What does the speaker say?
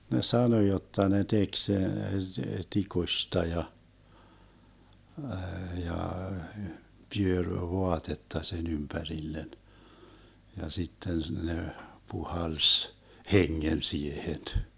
ne sanoi jotta ne teki sen tikusta ja ja pyöri vaatetta sen ympärille ja sitten ne puhalsi hengen siihen